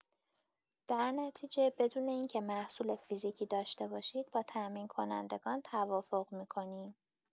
در نتیجه بدون اینکه محصول فیزیکی داشته باشید با تامین‌کنندگان توافق می‌کنی.